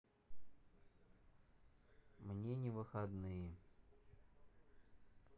мне не выходные